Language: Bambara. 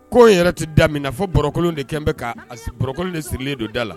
K' yɛrɛ tɛ da min na fɔ barokolo de kɛlen bɛ k' akolo de sirilen don da la